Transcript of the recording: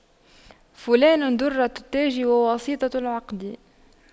فلان دُرَّةُ التاج وواسطة العقد